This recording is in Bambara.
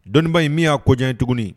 Dɔnni in min y'a ko jan tuguni